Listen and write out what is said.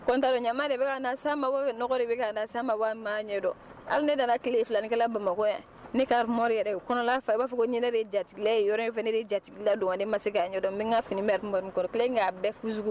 Ɲa de na sa mabɔ na sa mabɔ ma ɲɛdɔn ali ne nana kelen filankɛla bamakɔ yan nimo yɛrɛ o kɔnɔa fɔ a b'a fɔ ko ɲ ne de jatigi ye yɔrɔ in fana ne de jatigila don ne ma se ka' ɲɛdɔn min ka finikɔrɔ in' bɛɛ